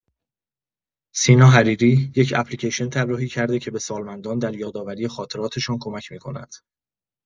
سینا حریری، یک اپلیکیشن طراحی کرده که به سالمندان در یادآوری خاطراتشان کمک می‌کند.